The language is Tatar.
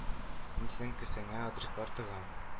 Мин синең кесәңә адреслар тыгам